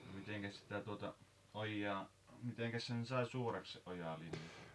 mitenkäs sitä tuota ojaa mitenkäs sen sai suoraksi sen ojalinjan